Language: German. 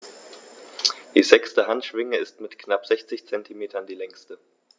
Die sechste Handschwinge ist mit knapp 60 cm die längste.